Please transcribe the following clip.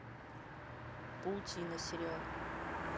паутина сериал